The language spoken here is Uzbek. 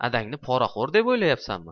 adangni poraxo'r deb o'ylayapsanmi